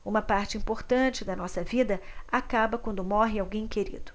uma parte importante da nossa vida acaba quando morre alguém querido